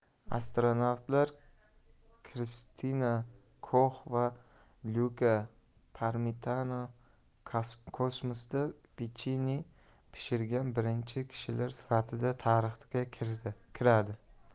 astronavtlar kristina kox va luka parmitano kosmosda pechenye pishirgan birinchi kishilar sifatida tarixga kiradi